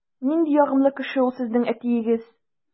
Нинди ягымлы кеше ул сезнең әтиегез!